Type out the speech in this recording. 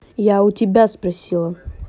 я у тебя спросила